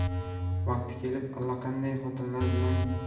vaqti kelib allaqanday xotinlar bilan